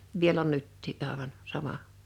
vielä on nytkin aivan sama